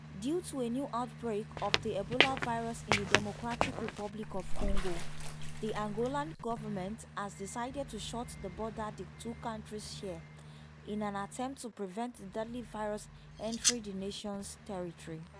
Due to a new outbreak of the ebola virus in the Democratic Republic of Congo, the Angolan government has decided to shut down the border the two countries share, in an attempt to prevent the deadly virus entering the nation's territory.